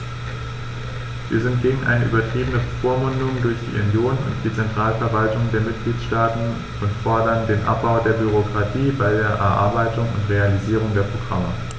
Wir sind gegen eine übertriebene Bevormundung durch die Union und die Zentralverwaltungen der Mitgliedstaaten und fordern den Abbau der Bürokratie bei der Erarbeitung und Realisierung der Programme.